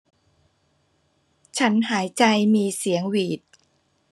ฉันหายใจมีเสียงหวีด